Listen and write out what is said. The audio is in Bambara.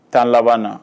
Tan labanana